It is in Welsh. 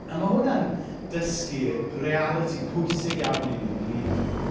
A ma' hwn yn dysgu realiti pwysig iawn i ni ynglŷn â ffydd.